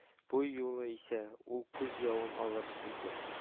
Бу юлы исә ул күз явын алырлык иде